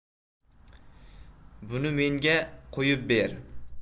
buni menga qo'yib ber